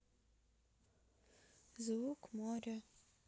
звук моря